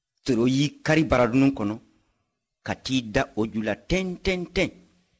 toro y'i kari baradunun kɔnɔ ka t'i da o ju la tintintin